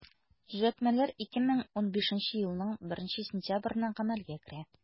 Төзәтмәләр 2015 елның 1 сентябреннән гамәлгә керә.